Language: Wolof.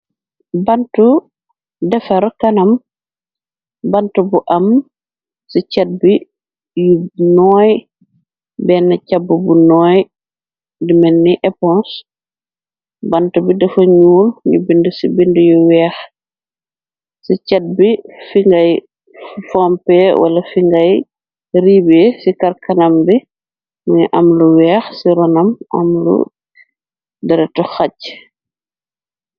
Bantu defar kanam, bantu bu am ci jat bi lu nooy, benn jat bu nooy dimelni epons. Bant bi dafa ñuul ñu bindi ci bindi yu weex. Ci jat bi fi ngay phompe wala fi ngay riibe ci karkanam bi mungi am lu weex ci ronam, am lu dereto xaj.